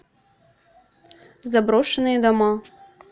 заброшенные дома